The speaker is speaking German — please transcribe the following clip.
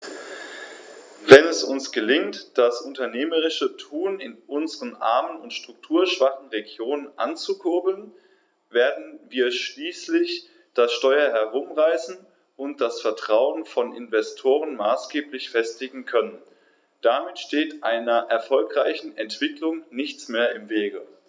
Wenn es uns gelingt, das unternehmerische Tun in unseren armen und strukturschwachen Regionen anzukurbeln, werden wir schließlich das Steuer herumreißen und das Vertrauen von Investoren maßgeblich festigen können. Damit steht einer erfolgreichen Entwicklung nichts mehr im Wege.